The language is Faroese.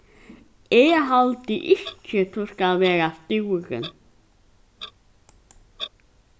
eg haldi ikki tú skalt vera stúrin